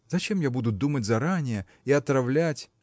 Зачем я буду думать заранее и отравлять.